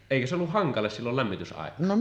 eikö se ollut hankala silloin lämmitysaikaan